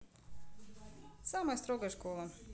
самая строгая школа